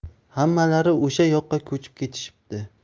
hammalari o'sha yoqqa ko'chib ketishibdi